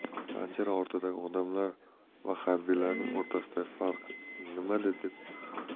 panjara ortidagi odamlar va harbiylarning o'rtasidagi